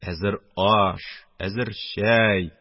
Әзер аш, әзер чәй